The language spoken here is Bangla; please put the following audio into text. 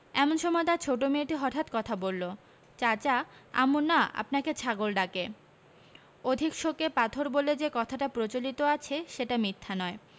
এমন সময় তাঁর ছোট মেয়েটি হঠাৎ কথা বলল চাচা আম্মু না আপনাকে ছাগল ডাকে অধিক শোকে পাথর বলে যে কথাটা প্রচলিত আছে সেটা মিথ্যা নয়